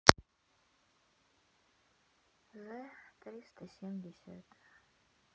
зэ триста семьдесят